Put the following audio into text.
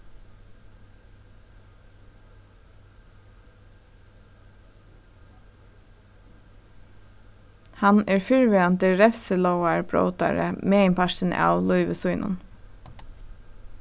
hann er fyrrverandi revsilógarbrótari meginpartin av lívi sínum